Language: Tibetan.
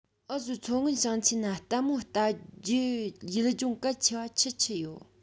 འུ བཟོའི མཚོ སྔོན ཞིང ཆེན ན ལྟད མོ ལྟ རྒྱུའོ ཡུལ ལྗོངས གལ ཆེ བ ཆི ཆི ཡོད